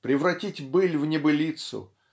Превратить быль в небылицу